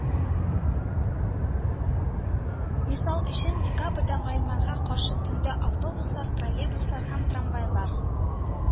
Мисал өчен, декабрьдән гыйнварга каршы төндә автобуслар, троллейбуслар һәм трамвайлар